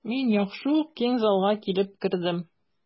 Мин яхшы ук киң залга килеп кердем.